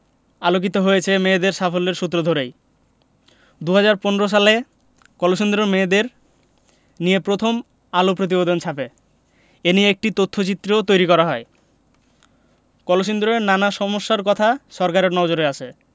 আলোকিত হয়েছে মেয়েদের সাফল্যের সূত্র ধরেই ২০১৫ সালে কলসিন্দুরের মেয়েদের নিয়ে প্রথম আলো প্রতিবেদন ছাপে এ নিয়ে একটি তথ্যচিত্রও তৈরি করা হয় কলসিন্দুরের নানা সমস্যার কথাও সরকারের নজরে আসে